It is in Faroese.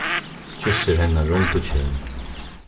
kyssir hennara rundu kinn